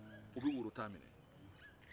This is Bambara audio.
u bɛ worotan minɛ